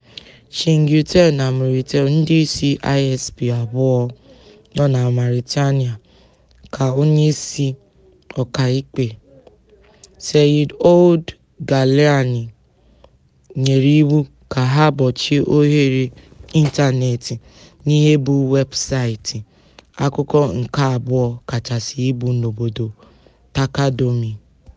Chinguitel na Mauritel, ndị isi ISP abụọ nọ na Mauritania ka onye isi ọkàikpe, Seyid Ould Ghaïlani nyere iwu ka ha gbochie ohere ịntaneetị n'ihe bụ weebụsaịtị akụkọ nke abụọ kachasị ibu n'obodo, Taqadoumy.